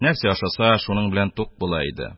Нәрсә ашаса, шуның белән тук була иде.